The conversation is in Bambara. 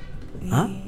Eeeee han